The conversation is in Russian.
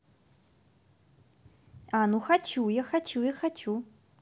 а ну хочу я хочу я хочу